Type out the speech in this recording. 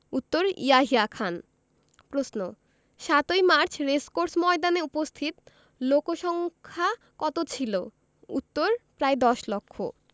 উত্তর ইয়াহিয়া খান প্রশ্ন ৭ই মার্চ রেসকোর্স ময়দানে উপস্থিত লোকসংক্ষা কত ছিলো উত্তর প্রায় দশ লক্ষ